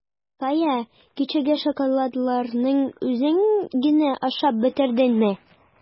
Кая, кичәге шоколадларыңны үзең генә ашап бетердеңме?